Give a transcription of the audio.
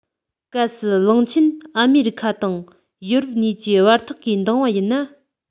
གལ སྲིད གླིང ཆེན ཨ མེ རི ཁ དང ཡོ རོབ གཉིས ཀྱི བར ཐག གིས འདང བ ཡིན ན